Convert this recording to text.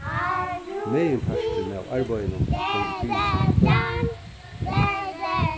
meginparturin av arbeiðinum gongur fyri seg í føroyum